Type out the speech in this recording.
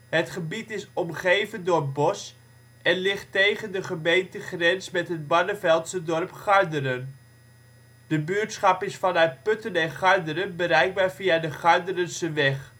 Het gebied is omgeven door bos en ligt tegen de gemeentegrens met het Barneveldse dorp Garderen. De buurtschap is vanuit Putten en Garderen bereikbaar via de Garderenseweg